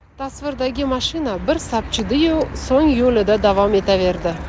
tasvirdagi mashina bir sapchidi yu so'ng yo'lida davom etaverdi